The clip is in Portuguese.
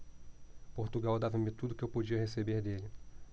portugal dava-me tudo o que eu podia receber dele